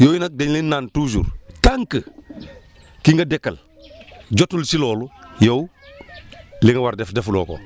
yooyu nag dañ leen naan toujours tant que ki nga dëkkal jotul si loolu yow li nga war def defuloo ko